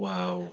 Waw.